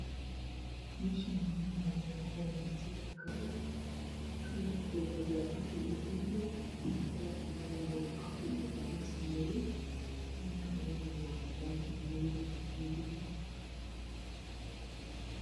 Meshaan waa meel banan aha waxaa yaka sadax kapa ah kalarka koowad waa qaxwi iyo canpe kalarka lapadna waa qaxwi cadees iyo madow kalarka waa madow caadan iyo gqduud